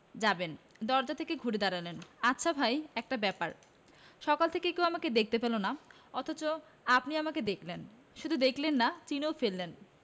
যাবেন দরজা থেকে ঘুরে দাঁড়ালেন আচ্ছা ভাই একটা ব্যাপার সকাল থেকে কেউ আমাকে দেখতে পেল না অথচ আপনি আমাকে দেখলেন শুধু দেখলেন না চিনেও ফেললেন